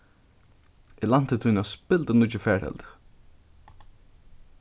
eg lænti tína spildurnýggju farteldu